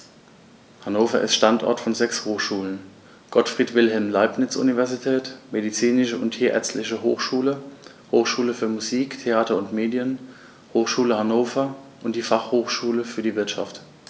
Hannover ist Standort von sechs Hochschulen: Gottfried Wilhelm Leibniz Universität, Medizinische und Tierärztliche Hochschule, Hochschule für Musik, Theater und Medien, Hochschule Hannover und die Fachhochschule für die Wirtschaft.